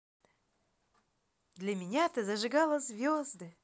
для меня ты зажигала звезды